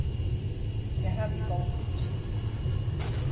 tað havi eg góðtikið